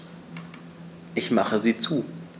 Ich mache sie zu.